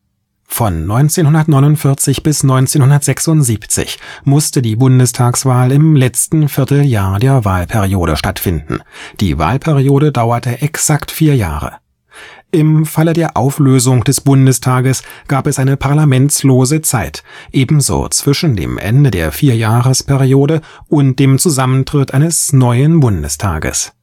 Von 1949 bis 1976 musste die Bundestagswahl im letzten Vierteljahr der Wahlperiode stattfinden; die Wahlperiode dauerte exakt vier Jahre. Im Fall der Auflösung des Bundestages gab es eine parlamentslose Zeit, ebenso zwischen dem Ende der Vierjahresperiode und dem Zusammentritt eines neuen Bundestages